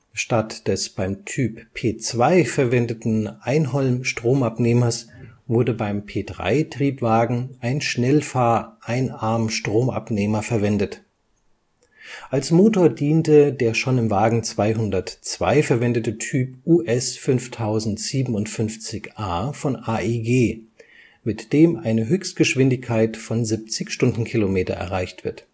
Statt des beim Typ P 2 verwendeten Einholmstromabnehmers wurde beim P 3-Triebwagen ein Schnellfahr-Einarmstromabnehmer verwendet. Als Motor diente der schon im Wagen 202 verwendete Typ US5057a von AEG, mit dem eine Höchstgeschwindigkeit von 70 km/h erreicht wird